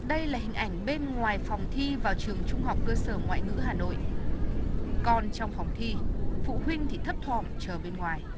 đây là hình ảnh bên ngoài phòng thi vào trường trung học cơ sở ngoại ngữ hà nội con trong phòng thi phụ huynh thì thấp thỏm chờ bên ngoài